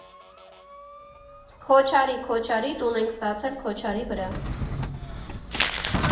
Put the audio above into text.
Քոչարի, քոչարի, տուն ենք ստացել Քոչարի վրա։